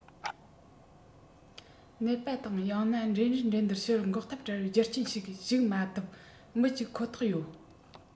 ནད པ དང ཡང ན འགྲན རའི འགྲན བསྡུར ཕྱིར འགོག ཐབས བྲལ བའི རྒྱུ རྐྱེན ཞིག ཞུགས མ ཐུབ མི གཅིག ཁོ ཐག ཡོད